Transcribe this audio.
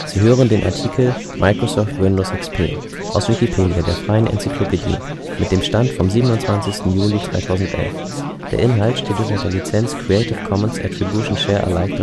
hören den Artikel Microsoft Windows XP, aus Wikipedia, der freien Enzyklopädie. Mit dem Stand vom Der Inhalt steht unter der Lizenz Creative Commons Attribution Share Alike